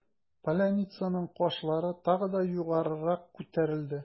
Поляницаның кашлары тагы да югарырак күтәрелде.